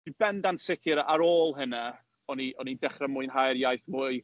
Dwi bendant sicr, ar ôl hynna, o'n i o'n i'n dechrau mwynhau'r iaith mwy.